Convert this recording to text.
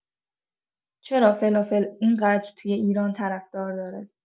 چرا فلافل این‌قدر توی ایران طرفدار داره؟